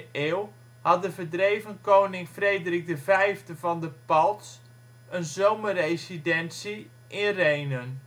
eeuw had de verdreven koning Frederik V van de Palts een zomerresidentie in Rhenen